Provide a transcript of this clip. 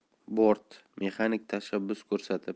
bort mexanik tashabbus ko'rsatib